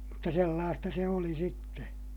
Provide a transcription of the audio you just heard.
mutta sellaista se oli sitten